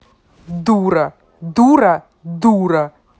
дура дура дура